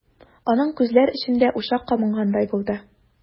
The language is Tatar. Аның күзләр эчендә учак кабынгандай булды.